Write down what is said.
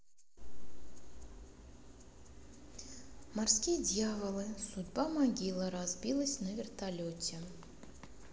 морские дьяволы судьбы могила разбилась на вертолете